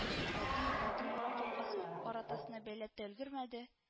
Әти атын урам капкасы аратасына бәйләп тә өлгермәде